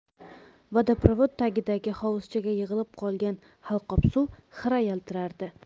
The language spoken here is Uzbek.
vodoprovod tagidagi hovuzchaga yig'ilib qolgan halqob suv xira yiltirardi